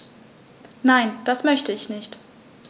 Nein, das möchte ich nicht.